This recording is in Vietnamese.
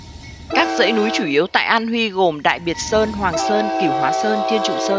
các dãy núi chủ yếu tại an huy gồm đại biệt sơn hoàng sơn cửu hóa sơn thiên trụ sơn